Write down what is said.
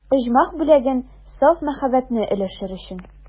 Оҗмах бүләген, саф мәхәббәтне өләшер өчен.